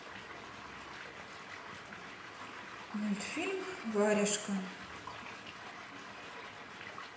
мультфильм варежка